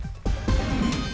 nghìn